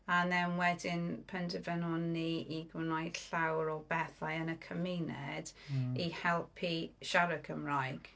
And then wedyn penderfynon ni i gwneud llawer o bethau yn y cymuned i helpu siarad Cymraeg.